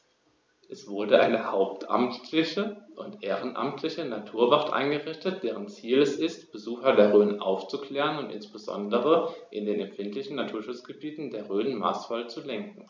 Es wurde eine hauptamtliche und ehrenamtliche Naturwacht eingerichtet, deren Ziel es ist, Besucher der Rhön aufzuklären und insbesondere in den empfindlichen Naturschutzgebieten der Rhön maßvoll zu lenken.